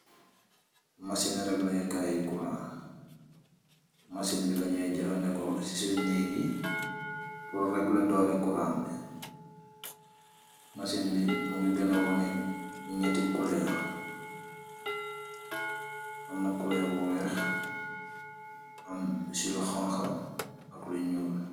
Machine ne regle Kay curra, machine bi lanu jufaneku se sun neek yee purr regle doleh currant bi, machine bi mugi gena wanee nyate coloor , am na coloor bu weeh, amse lu honha ak lu njol.